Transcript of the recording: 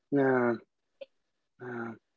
Na, na.